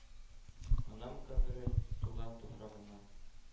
Анам кабре — туган туфрагыма